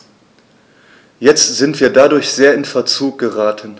Jetzt sind wir dadurch sehr in Verzug geraten.